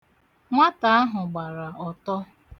Nwata ahụ gbara ọtọ.